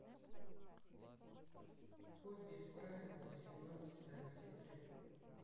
пой без правил восемнадцатое октября